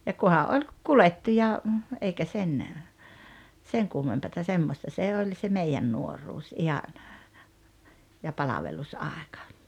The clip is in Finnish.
ja kuha oli kuljettiin ja eikä sen sen kummempaa semmoista se oli se meidän nuoruus ihan ja palvelusaika